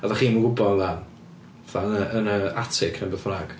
a dach chi'm yn gwbod amdan fatha yn y yn yy atig neu beth bynnag...